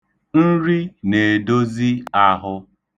Nri na-edozi ahụ.